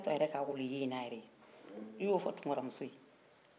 i y'o fɔ tunkara muso ye tunkara den don